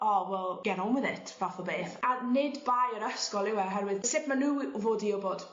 o wel ger on with it fath o beth a nid bai yr ysgol yw e oherwydd sut ma' n'w fod i wbod